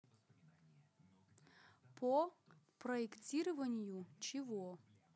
по проектированию чего